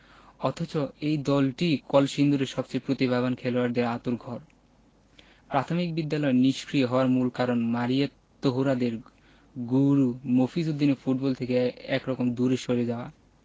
অথচ এই দলটিই কলসিন্দুরের সবচেয়ে প্রতিভাবান খেলোয়াড়দের আঁতুড়ঘর প্রাথমিক বিদ্যালয় নিষ্ক্রিয় হওয়ার মূল কারণ মারিয়া তহুরাদের গুরু মফিজ উদ্দিনের ফুটবল থেকে একরকম দূরে সরে যাওয়া